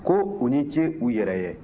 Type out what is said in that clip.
ko u ni ce u yɛrɛ ye